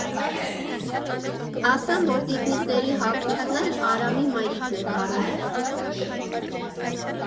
֊ Ասեմ, որ տիկնիկների հագուստն էլ Արամի մայրիկն է կարում։